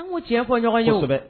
An k'o tiɲɛ fɔ ɲɔgɔn ye o, kosɛbɛ